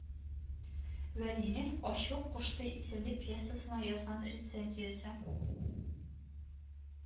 Вәлинең Ачлык кушты исемле пьесасына язган рецензиясе